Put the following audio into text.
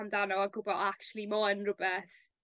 amdano a gwbo actually m'o yn rhwbeth...